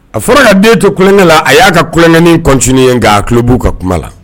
A fɔra ka den to kulonkɛ la a y'a ka kulonkɛni kɔtinuye nka a kulolobu'u ka kuma la.